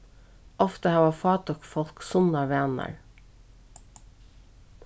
ofta hava fátøk fólk sunnar vanar